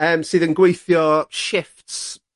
yym sydd yn gweithio shifts